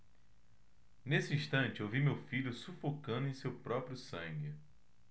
nesse instante ouvi meu filho sufocando em seu próprio sangue